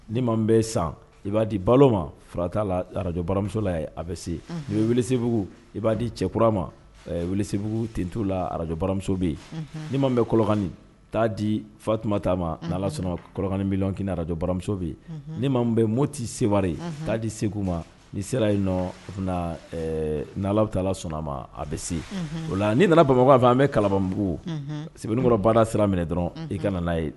Nii ma bɛ san i b'a di balo ma farata la arajo baramusola a bɛ se n bɛ weele sebugu i b'a di cɛkura ma sebugu t t' la araraj baramuso bɛ yen ni ma bɛ kɔkani t'a di fatuma t'a ma'a sɔnna kɔkani bɛ k arajjɔ baramuso bi ni ma bɛ mo tɛ seri'a di segu ma ni sera yen nɔn n' bɛ taa sɔnna a ma a bɛ se o la' nana bamakɔkan fɛ an bɛ kabababugu sɛbɛnninkɔrɔ baara sira minɛ dɔrɔn i kana n'a ye